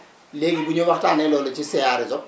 léegi bu ñu waxtaanee loolu ci CA Resop